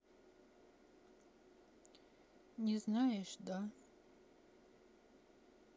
не знаешь да